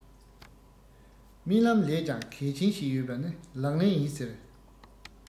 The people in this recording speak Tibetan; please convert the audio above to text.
རྨི ལམ ལས ཀྱང གལ ཆེན ཞིག ཡོད པ ནི ལག ལེན ཡིན ཟེར